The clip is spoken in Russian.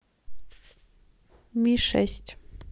ми шесть